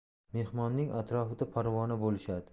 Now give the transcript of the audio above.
mehmonning atrofida parvona bo'lishadi